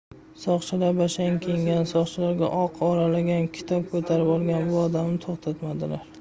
soqchilar bashang kiyingan sochlariga oq oralagan kitob ko'tarib olgan bu odamni to'xtatmadilar